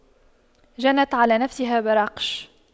جنت على نفسها براقش